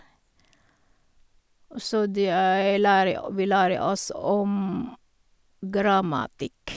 Og så de jeg lære å vi lære oss om grammatikk.